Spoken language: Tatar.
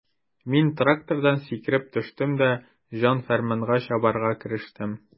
Мин трактордан сикереп төштем дә җан-фәрманга чабарга керештем.